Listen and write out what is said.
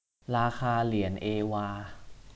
ราคาเหรียญเอวา